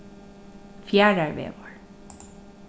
fjarðarvegur